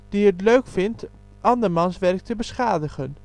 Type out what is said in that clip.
die het leuk vindt andermans werk te beschadigen